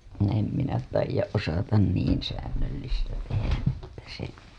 en minä taida osata niin säännöllistä tehdä että se